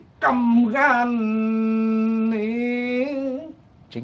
căm gan ý